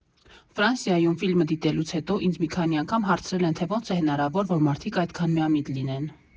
Ֆրանսիայում ֆիլմը դիտելուց հետո ինձ մի քանի անգամ հարցրել են, թե ո՞նց է հնարավոր, որ մարդիկ այդքան միամիտ լինեն։